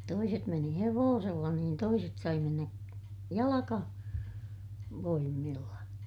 toiset meni hevosella niin toiset sai mennä - jalkavoimilla